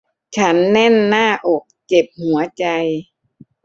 ฉันแน่นหน้าอกเจ็บหัวใจ